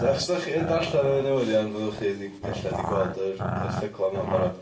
Os dach chi yn darllen y newyddion fyddwch chi, ella, 'di gweld yr yr erthyglau yma'n barod,.